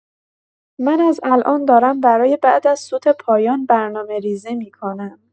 من از الان دارم برای بعد از سوت پایان برنامه‌ریزی می‌کنم.